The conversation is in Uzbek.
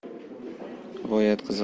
g'oyatda qiziq